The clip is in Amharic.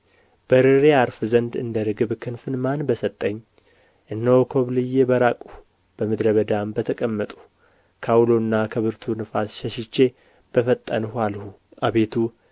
በርሬ ዐርፍ ዘንድ እንደ ርግብ ክንፍን ማን በሰጠኝ እነሆ ኰብልዬ በራቅሁ በምድረ በዳም በተቀመጥሁ ከዐውሎና ከብርቱ ንፋስ ሸሽቼ በፈጠንሁ አልሁ አቤቱ